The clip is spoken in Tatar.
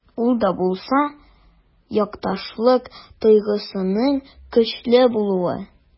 Ул да булса— якташлык тойгысының көчле булуы.